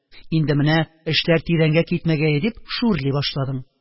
Инде менә эшләр тирәнгә китмәгәе дип шүрли башладың.